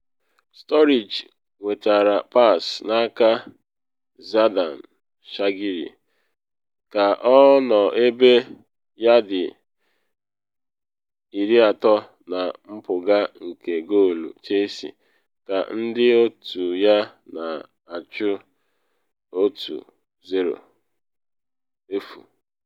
Sturridge nwetara pass n’aka Xherdan Shaqiri ka ọ nọ ebe yaadị 30 na mpụga nke goolu Chelsea ka ndị otu ya na achụ 1-0.